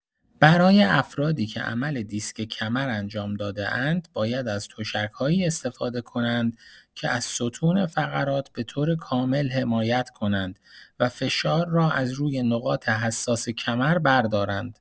برای افرادی که عمل دیسک کمر انجام داده‌اند، باید از تشک‌هایی استفاده کنند که از ستون فقرات به‌طور کامل حمایت کنند و فشار را از روی نقاط حساس کمر بردارند.